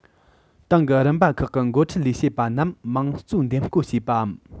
ཏང གི རིམ པ ཁག གི འགོ ཁྲིད ལས བྱེད པ རྣམས དམངས གཙོས འདེམས བསྐོ བྱས པའམ